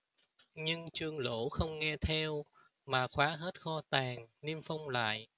nhưng trương lỗ không nghe theo mà khóa hết kho tàng niêm phong lại